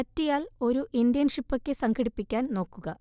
പറ്റിയാൽ ഒരു ഇന്റേൺഷിപ്പ് ഒക്കെ സംഘടിപ്പിക്കാൻ നോക്കുക